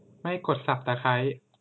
ไม่กดสับตะไคร้